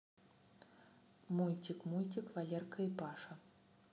мультик мультик валерка и паша